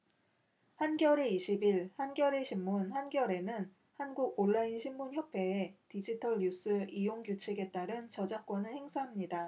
한겨레 이십 일 한겨레신문 한겨레는 한국온라인신문협회의 디지털뉴스이용규칙에 따른 저작권을 행사합니다